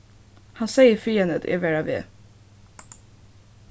hann segði fyri henni at eg var á veg